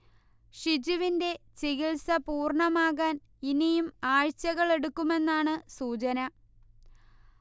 ഷിജുവിന്റെ ചികിൽസ പൂർണ്ണമാകാൻ ഇനിയും ആഴ്ചകൾ എടുക്കുമെന്നാണ് സൂചന